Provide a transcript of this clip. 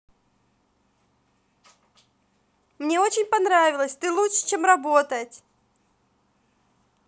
мне очень понравилось ты лучше чем работать